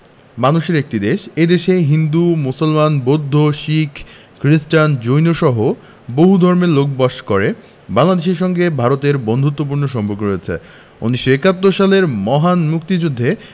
মানুষের একটি দেশ এ দেশে হিন্দু মুসলমান বৌদ্ধ শিখ খ্রিস্টান জৈনসহ বহু ধর্মের লোক বাস করে বাংলাদেশের সঙ্গে ভারতের বন্ধুত্তপূর্ণ সম্পর্ক রয়ছে ১৯৭১ সালের মহান মুক্তিযুদ্ধে